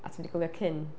A ti'm di gwylio Kin?